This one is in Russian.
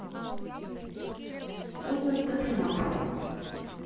польза топинамбура